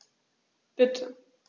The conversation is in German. Bitte.